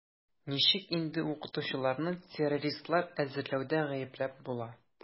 Ничек инде укытучыларны террористлар әзерләүдә гаепләп була?